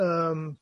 Yym.